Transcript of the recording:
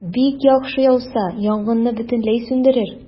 Бик яхшы, яуса, янгынны бөтенләй сүндерер.